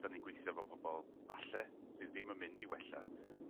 'dyn ni'n gweithio efo pobol falle sydd ddim yn mynd i wella.